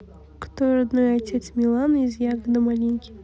кто родной отец миланы из ягоды малинки